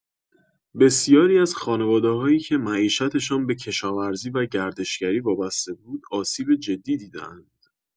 بسیاری از خانواده‌هایی که معیشتشان به کشاورزی و گردشگری وابسته بود، آسیب جدی دیده‌اند.